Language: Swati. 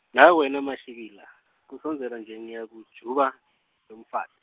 nawe wena Mashikila, kusondzela nje ngiyamjuba lomfat-.